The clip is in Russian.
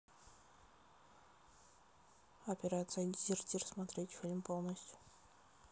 операция дезертир смотреть фильм полностью